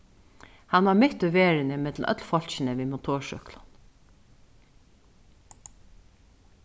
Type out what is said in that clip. hann var mitt í verðini millum øll fólkini við motorsúkklum